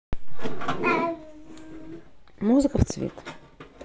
музыка в цвет